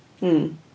Hmm...